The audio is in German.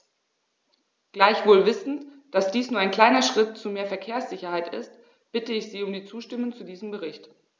Gleichwohl wissend, dass dies nur ein kleiner Schritt zu mehr Verkehrssicherheit ist, bitte ich Sie um die Zustimmung zu diesem Bericht.